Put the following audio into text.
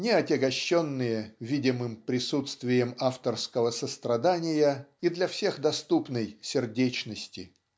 не отягощенные видимым присутствием авторского сострадания и для всех доступной сердечности.